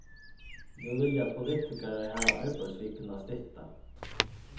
nú vilja politikarar hava arbeiðsvikuna stytta